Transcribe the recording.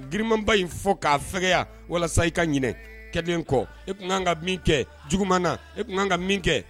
Girinmanba in fɔ k'a fɛya walasa i ka ɲinɛ kɛden kɔ e tun kan ka min kɛ juguman na e tun kan ka min kɛ